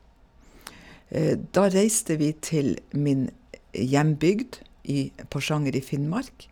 Da reiste vi til min hjembygd i Porsanger i Finnmark.